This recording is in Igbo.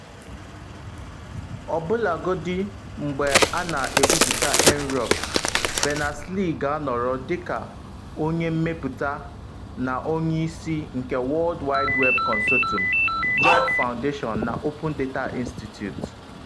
Ọbulagodi mgbe a na-ebuputa Inrupt, Berners-Lee ga-anọrọ dịka onye Mmepụta na Onye Isi nke World Wide Web Consortuim, Web Foundation na Open Data Institute.